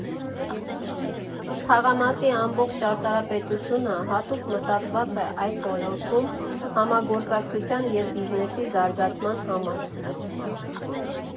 Թաղամասի ամբողջ ճարտարապետությունը հատուկ մտածված է այս ոլորտում համագործակցության և բիզնեսի զարգացման համար։